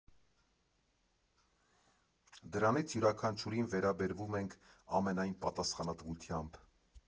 Դրանցից յուրաքանչյուրին վերաբերվում ենք ամենայն պատասխանատվությամբ։